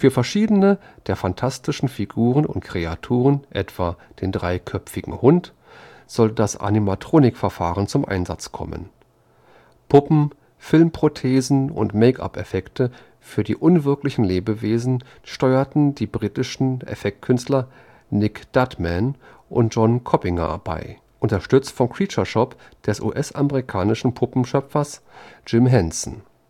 verschiedene der fantastischen Figuren und Kreaturen, etwa den dreiköpfigen Hund, sollte das Animatronic-Verfahren zum Einsatz kommen. Puppen, Filmprothesen und Make-up-Effekte für die unwirklichen Lebewesen steuerten die britischen Effektkünstler Nick Dudman und John Coppinger bei, unterstützt vom Creature Shop des US-amerikanischen Puppenschöpfers Jim Henson